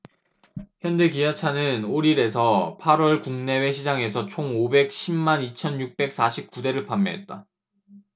현대 기아차는 올 일 에서 팔 월 국내외 시장에서 총 오백 십 만 이 천 육백 사십 구 대를 판매했다